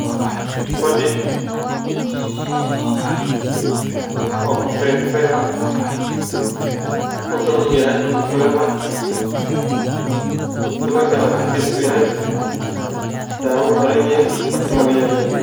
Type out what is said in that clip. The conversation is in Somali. Halkaan waxaa ka muuqdo fadhiyo qaxwi ah dhulkana waa cadaan